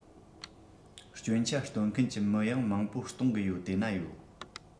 སྐྱོན ཆ སྟོན མཁན གྱི མི ཡང མང པོ གཏོང གི ཡོད དེ ན ཡོད